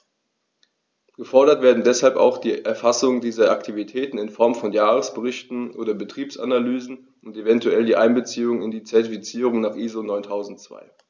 Gefordert werden deshalb auch die Erfassung dieser Aktivitäten in Form von Jahresberichten oder Betriebsanalysen und eventuell die Einbeziehung in die Zertifizierung nach ISO 9002.